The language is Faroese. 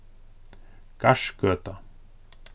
garðsgøta